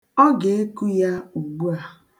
Ọ ga-eku ya ugbu a.